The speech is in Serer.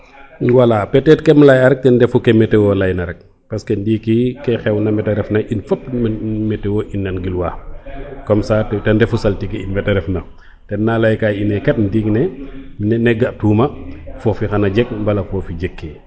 wala peut etre kem leya rek ten refu ke meteo ley na rek parce que ndiiki ke xew na mete ref na in fop meteo i nan gilwa comme ca ten refu saltige in mete ref na ten na ley ka ine kam ndiig ne ne ga tuma fofi xana jeg wala fofi jeg ke